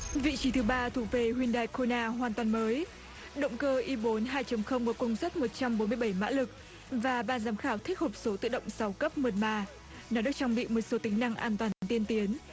vị trí thứ ba thuộc về huyn đai cô na hoàn toàn mới động cơ i bốn hai chấm không có công suất một trăm bốn mươi bảy mã lực và ban giám khảo thích hộp số tự động sáu cấp mượt mà nó được trang bị một số tính năng an toàn tiên tiến